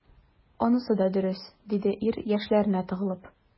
Анысы да дөрес,— диде ир, яшьләренә тыгылып.